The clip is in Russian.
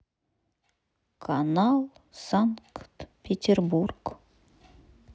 канал санкт петербург